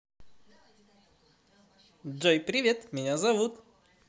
джой привет меня зовут